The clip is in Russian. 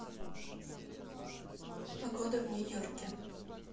погода в нью йорке